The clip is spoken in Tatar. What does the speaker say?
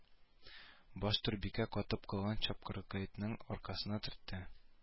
Баш түрбикә катып калган чапкыртайның аркасына төртте